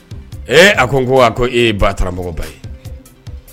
Ɛɛ a ko ŋo a ko e ye baataramɔgɔba ye